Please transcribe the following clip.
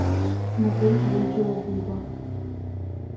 смотреть видео буба